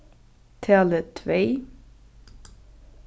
talið tvey